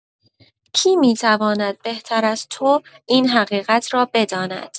کی می‌تواند بهتر از تو این حقیقت را بداند؟